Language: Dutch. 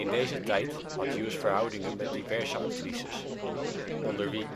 deze tijd had Hughes verhoudingen met diverse actrices, onder wie